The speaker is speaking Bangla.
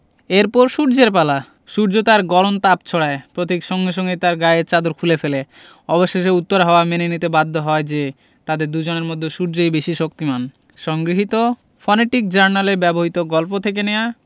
এর পর সূর্যের পালা সূর্য তার গরম তাপ ছড়ায় পতিক সঙ্গে সঙ্গে তার গায়ের চাদর খুলে ফেলে অবশেষে উত্তর হাওয়া মেনে নিতে বাধ্য হয় যে তাদের দুজনের মধ্য সূর্যই বেশি শক্তিমান সংগৃহীত ফনেটিক জার্নালে ব্যবহিত গল্প থেকে নেওয়া